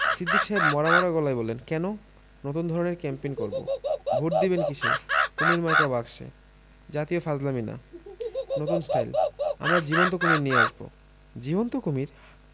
সিদ্দিক সাহেব মরা মরা গলায় বললেন কেন নতুন ধরনের ক্যাম্পেইন করব ভোট দিবেন কিসে কুমীর মার্কা বাক্সে জাতীয় ফাজলামী না নতুন স্টাইল আমরা জীবন্ত কুমীর নিয়ে আসব জীবন্ত কুমীর